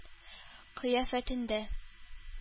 Кыяфәтендә